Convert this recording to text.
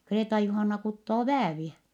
Kreeta-Juhanna kutoo vääviä